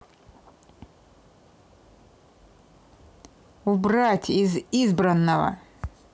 убрать из избранного